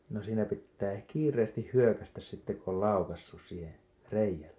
no siinä pitää kiireesti hyökätä sitten kun oli laukaissut siihen reiälle